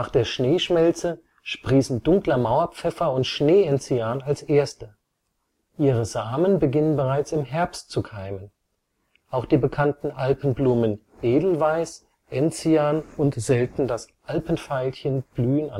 der Schneeschmelze sprießen Dunkler Mauerpfeffer und Schnee-Enzian als Erste, ihre Samen beginnen bereits im Herbst zu keimen. Auch die bekannten Alpenblumen Edelweiß, Enzian und selten das Alpenveilchen blühen